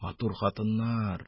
Матур хатыннар..